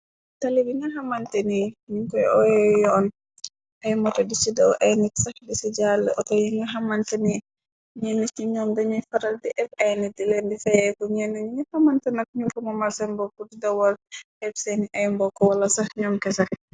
Talib yi nga xamante ni ñiñkoy oyo yoon, ay moto di ci daw, ay nit sax di ci jalle, outo yi nga xamante ni, ñenni ñi ñoom dañuy faral di fi ni dilen di feyeeku, ñeñ xamante nak ñu koma marsen bokk di dawal, eb seeni ay mbokk wala sax ñoom kesak.